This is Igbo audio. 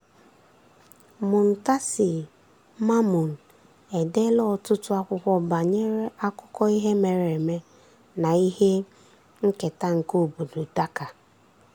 Muntasir Mamun edeela ọtụtụ akwụkwọ banyere akụkọ ihe mere eme na ihe nketa nke obodo Dhaka.